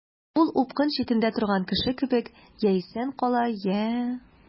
Ул упкын читендә торган кеше кебек— я исән кала, я...